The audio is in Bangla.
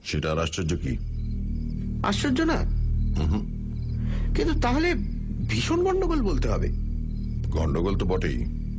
সেটা আর আশ্চর্য কী আশ্চর্য না উহুঁ কিন্তু তা হলে ভীষণ গণ্ডগোল বলতে হবে গণ্ডগোল তো বটেই